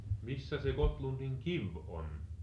missä se Gottlundin kivi on